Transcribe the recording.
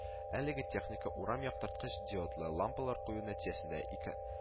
Әлеге техника урам яктырткыч диодлы лампалар кую нәтиҗәсендә ике